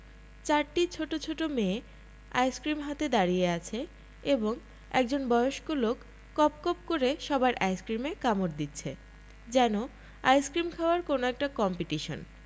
চরিটি ছোট ছোট মেয়ে আইসক্রিম হাতে দাড়িয়ে আছে এবং একজন বয়স্ক লোক কপ কপ করে সবার আইসক্রিমে কামড় দিচ্ছে যেন আইসক্রিম খাওয়ার কোন একটা কম্পিটিশন